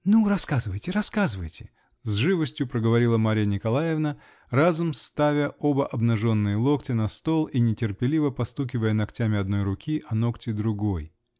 -- Ну, рассказывайте, рассказывайте, -- с живостью проговорила Марья Николаевна, разом ставя оба обнаженные локтя на стол и нетерпеливо постукивая ногтями одной руки о ногти другой.